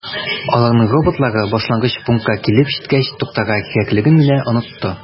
Аларның роботлары башлангыч пунктка килеп җиткәч туктарга кирәклеген генә “онытты”.